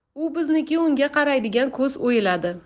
u bizniki unga qaraydigan ko'z o'yiladi